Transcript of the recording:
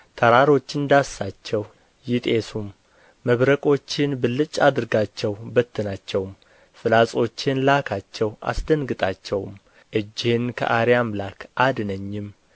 ተራሮችን ዳስሳቸው ይጢሱም መብረቆችህን ብልጭ አድርጋቸው በትናቸውም ፍላጾችህን ላካቸው አስደንግጣቸውም እጅህን ከአርያም ላክ አድነኝም